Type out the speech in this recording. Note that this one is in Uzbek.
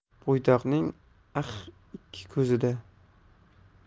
bo'ydoqning aqh ikki ko'zida